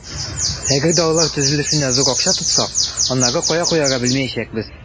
Әгәр дә алар төзелешенә зур акча тотсак, аннары кая куярга белмәячәкбез.